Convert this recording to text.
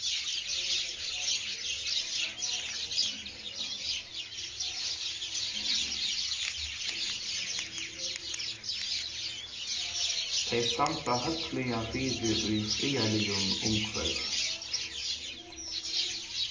tey standa høgliga fyri í friðarligum umhvørvi